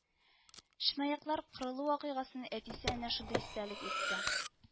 Чынаяклар кырылу вакыйгасын әтисе әнә шундый истәлек итте